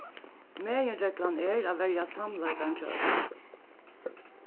meginreglan er at verja samleikan hjá øllum